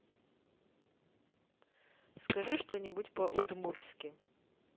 скажи что нибудь по удмуртски